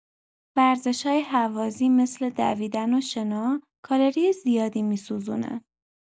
ورزش‌های هوازی مثل دویدن و شنا، کالری زیادی می‌سوزونن.